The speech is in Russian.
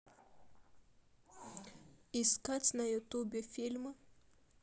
искать на ютубе фильмы